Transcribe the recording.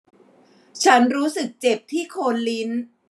ฉันรู้สึกเจ็บที่โคนลิ้น